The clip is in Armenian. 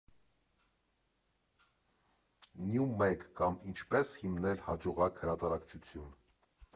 Նյումեգ կամ ինչպե՞ս հիմնել հաջողակ հրատարակչություն։